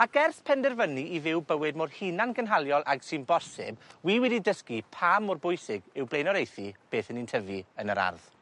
Ac ers penderfynu i fyw bywyd mor hunangynhaliol ag sy'n bosib wi wedi dysgu pa mor bwysig yw blaenoraethu beth 'yn ni'n tyfu yn yr ardd.